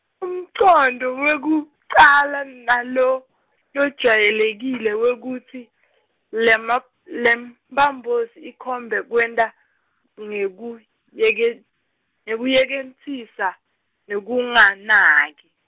umcondvo wekucala nalo lojwayelekile wekutsi lema- lemphambosi ikhombe kwenta, nekuyeket- ngekuyeketsisa nekunganaki.